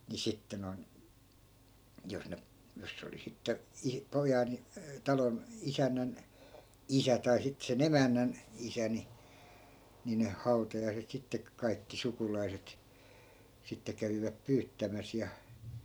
niin sitten noin jos ne jos se oli sitten - pojan talon isännän isä tai sitten sen emännän isä niin niin hautajaiset - kaikki sukulaiset sitten kävivät pyyttämässä ja